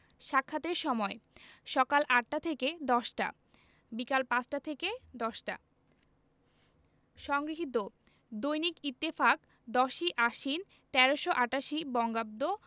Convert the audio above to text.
সাক্ষাতের সময়ঃসকাল ৮টা থেকে ১০টা - বিকাল ৫টা থেকে ১০টা সংগৃহীত দৈনিক ইত্তেফাক ১০ই আশ্বিন ১৩৮৮ বঙ্গাব্দ